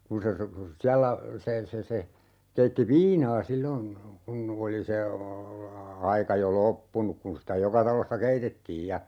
kun se siellä se se se keitti viinaa silloin kun oli se aika jo loppunut kun sitä joka talossa keitettiin ja